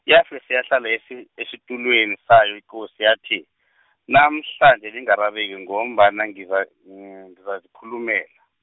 yafese yahlala esi- esitulweni sayo ikosi yathi , namhlanje ningarareki ngombana ngiza- ngizazikhulumela.